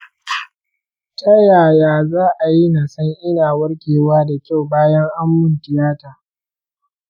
tayaya za'ayi nasan ina warkewa da kyau bayan ammun tiyata